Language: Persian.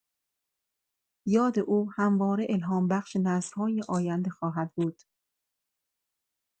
یاد او همواره الهام‌بخش نسل‌های آینده خواهد بود.